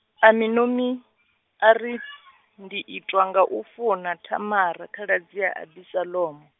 Aminomi, ari , ndi itwa nga u funa Thamara khaladzi ya Abisalomo.